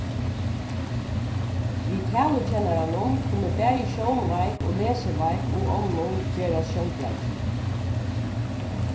við talukennaranum kunnu bæði sjónveik og lesiveik og onnur gerast sjálvbjargin